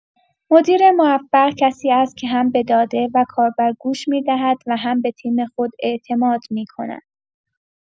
مدیر موفق کسی است که هم به داده و کاربر گوش می‌دهد و هم به تیم خود اعتماد می‌کند.